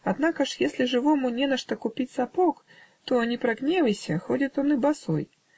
-- однако ж, если живому не на что купить сапог, то, не прогневайся, ходит он и босой